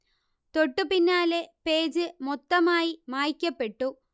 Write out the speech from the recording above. തൊട്ടു പിന്നാലെ പേജ് മൊത്തമായി മായ്ക്കപ്പെട്ടു